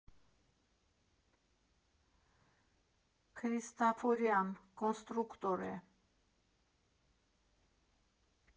Քրիստաֆորյան, կոնստրուկտոր՝ Է.